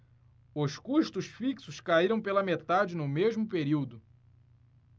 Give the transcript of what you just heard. os custos fixos caíram pela metade no mesmo período